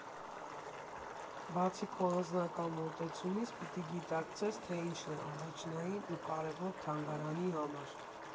Բացի քո անձնական մոտեցումից, պիտի գիտակցես, թե ինչն է առաջնային ու կարևոր թանգարանի համար։